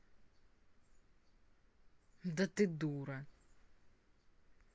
да ты дура